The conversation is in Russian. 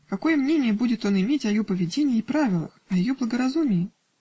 Какое мнение будет он иметь о ее поведении и правилах, о ее благоразумии?